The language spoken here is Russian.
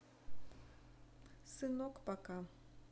сынок пока